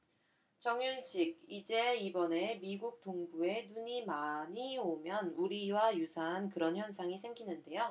정윤식 이제 이번에 미국 동부에 눈이 많이 오면 우리와 유사한 그런 현상이 생기는데요